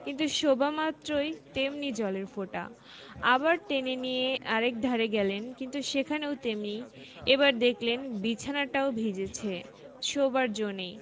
কিন্তু শোবামাত্রই তেমনি জলের ফোঁটা আবার টেনে নিয়ে আর একধারে গেলেন কিন্তু সেখানেও তেমনি এবার দেখলেন বিছানাটাও ভিজেছে শোবার জো নেই